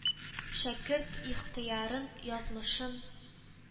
Шәкерт ихтыярын, язмышын